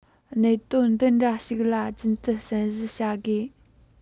གནད དོན འདི འདྲ ཞིག ལ རྒྱུན དུ བསམ གཞིགས བྱ དགོས